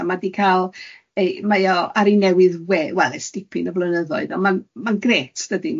A ma' di cael ei mae o ar ei newydd we- wel, e's dipyn o flynyddoedd, ond ma'n ma'n grêt dydi?